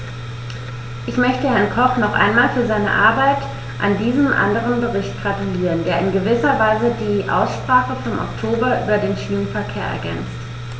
Ich möchte Herrn Koch noch einmal für seine Arbeit an diesem anderen Bericht gratulieren, der in gewisser Weise die Aussprache vom Oktober über den Schienenverkehr ergänzt.